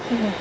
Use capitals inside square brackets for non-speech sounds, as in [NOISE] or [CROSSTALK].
[HESITATION] [HESITATION]